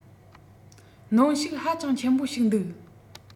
གནོན ཤུགས ཧ ཅང ཆེན པོ ཞིག འདུག